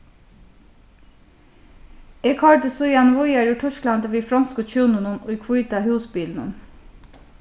eg koyrdi síðani víðari úr týsklandi við fronsku hjúnunum í hvíta húsbilinum